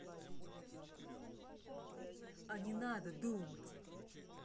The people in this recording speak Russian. а не надо думать